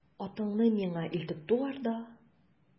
Атыңны миңа илтеп тугар да...